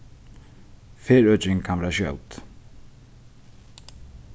ferðøking kann vera skjót